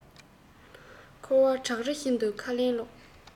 འཁོར བ བྲག རི བཞིན དུ ཁ ལན སློག